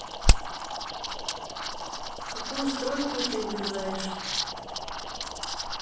в какую стройку и ты влезаешь